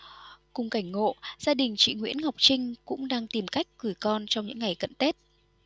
cùng cảnh ngộ gia đình chị nguyễn ngọc trinh cũng đang tìm cách gửi con trong những ngày cận tết